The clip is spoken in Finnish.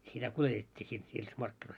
sitä kuljetettiin sitten niissä markkinoissa